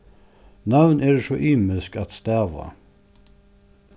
nøvn eru so ymisk at stava